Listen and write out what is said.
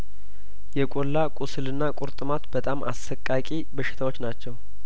የቆላ ቁስልና ቁርጥ ማት በጣም አሰቃቂ በሽታዎች ናቸው